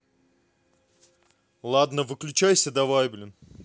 ладно выключайся давай